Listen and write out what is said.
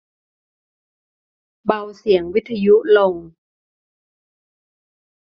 เบาเสียงวิทยุลง